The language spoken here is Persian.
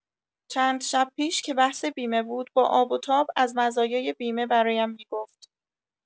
چند شب پیش که بحث بیمه بود با آب‌وتاب از مزایای بیمه برایم می‌گفت.